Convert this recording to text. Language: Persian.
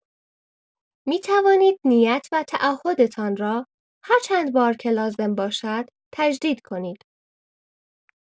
می‌توانید نیت و تعهدتان را هر چند بار که لازم باشد، تجدید کنید.